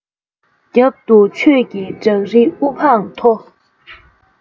རྒྱབ ཏུ ཆོས ཀྱི བྲག རི དབུ འཕང མཐོ